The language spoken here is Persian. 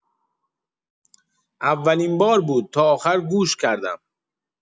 اولین بار بود تا آخر گوش کردم.